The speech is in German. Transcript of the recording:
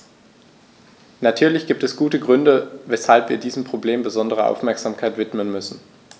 Natürlich gibt es gute Gründe, weshalb wir diesem Problem besondere Aufmerksamkeit widmen müssen.